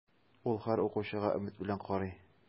Ул һәр укучыга өмет белән карый.